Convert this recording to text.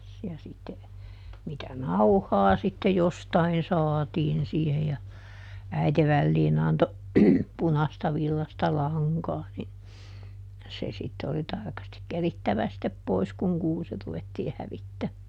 ja sitten mitä nauhaa sitten jostakin saatiin siihen ja äiti väliin antoi punaista villaista lankaa niin se sitten oli tarkasti kerittävä sitten pois kun kuusi ruvettiin hävittämään